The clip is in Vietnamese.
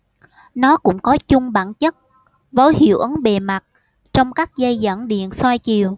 nó cũng có chung bản chất với hiệu ứng bề mặt trong các dây dẫn điện xoay chiều